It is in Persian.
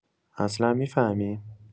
اصلا می‌فهمی؟